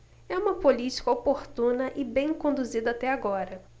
é uma política oportuna e bem conduzida até agora